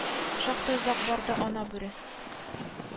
Шактый озак барды ана бүре